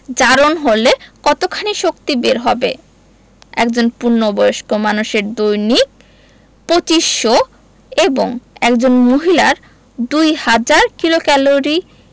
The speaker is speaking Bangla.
জারণ হলে কতখানি শক্তি বের হবে একজন পূর্ণবয়স্ক মানুষের দৈনিক ২৫০০ এবং একজন মহিলার ২০০০ কিলোক্যালরি